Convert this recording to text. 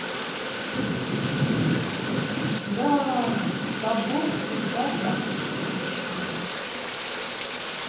да с тобой всегда так скучно